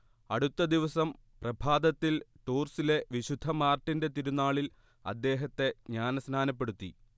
അടുത്ത ദിവസം പ്രഭാതത്തിൽ ടൂർസിലെ വിശുദ്ധ മാർട്ടിന്റെ തിരുനാളിൽ അദ്ദേഹത്തെ ജ്ഞാനസ്നാനപ്പെടുത്തി